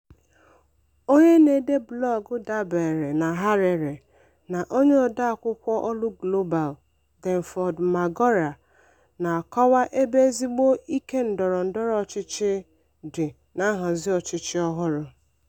Onye na-ede blọọgụ dabeere na Harare na onye ode akwụkwọ olu Global, Denford Magora, na-akọwa ebe ezigbo ike ndọrọ ndọrọ ọchịchị dị na nhazi ọchịchị ọhụrụ.